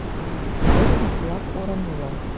Бер яклап урынлы.